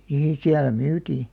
niin siellä myytiin